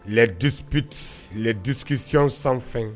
lɛditsikisi sanfɛ